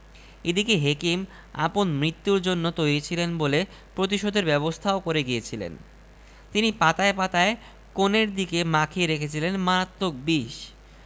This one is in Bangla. আমার বেদনাটা সেইখানে বাঙালী যদি হটেনটট হত তবে কোন দুঃখ ছিল না এরকম অদ্ভুত সংমিশ্রণ আমি ভূ ভারতে কোথাও দেখি নি